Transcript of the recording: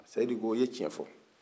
sedu ko e cɛn fɔ